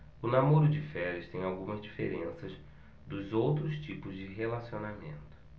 o namoro de férias tem algumas diferenças dos outros tipos de relacionamento